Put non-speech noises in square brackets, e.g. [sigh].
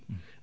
[hesitation]